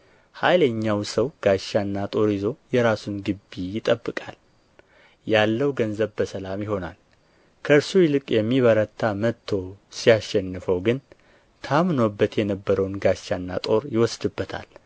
ኃይለኛ ሰው ጋሻና ጦር ይዞ የራሱን ግቢ ቢጠብቅ ያለው ገንዘቡ በሰላም ይሆናል ከእርሱ ይልቅ የሚበረታ መጥቶ ሲያሸንፈው ግን ታምኖበት የነበረውን ጋሻና ጦር ይወስድበታል